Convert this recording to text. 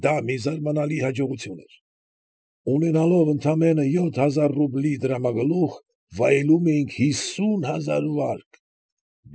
Դա մի զարմանալի հաջողություն էր. ունենալով ընդամենը յոթ հազար ռուբլի դրամագլուխ, վայելում էինք հիսուն հազար վարկ։